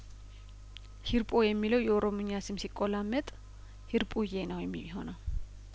ሂርጶ የሚለው የኦሮምኛ ስም ሲቆላ መጥ ሂርጱዬ ነው የሚሆነው